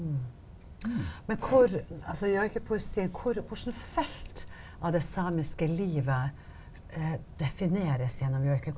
men hvor altså joikepoesien hvor hvilket felt av det samiske livet defineres gjennom joiken?